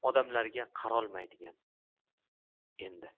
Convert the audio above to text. odamlarga qarolmaydi endi